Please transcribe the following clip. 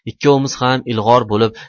ikkovimiz ham ilg'or bo'lib